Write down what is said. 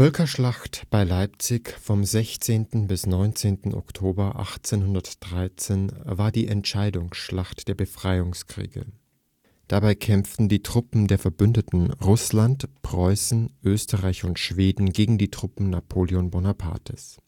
Völkerschlacht bei Leipzig vom 16. bis 19. Oktober 1813 war die Entscheidungsschlacht der Befreiungskriege. Dabei kämpften die Truppen der Verbündeten Russland, Preußen, Österreich und Schweden gegen die Truppen Napoleon Bonapartes